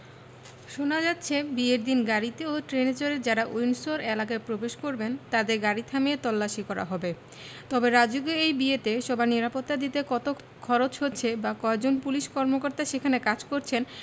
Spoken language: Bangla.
শোনা যাচ্ছে বিয়ের দিন গাড়িতে ও ট্রেনে চড়ে যাঁরা উইন্ডসর এলাকায় প্রবেশ করবেন তাঁদের গাড়ি থামিয়ে তল্লাশি করা হবে তবে রাজকীয় এই বিয়েতে সবার নিরাপত্তা দিতে কত খরচ হচ্ছে বা কয়জন পুলিশ কর্মকর্তা সেখানে কাজ করছেন